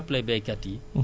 donc Jokalante